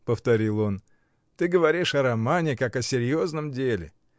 — повторил он, — ты говоришь о романе как о серьезном деле!